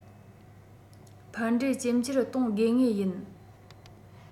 ཕན འབྲས ཇེ ཆེར གཏོང དགོས ངེས ཡིན